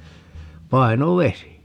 painovesi